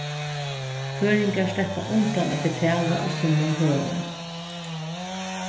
føroyingar sleppa undan at betala í summum høgum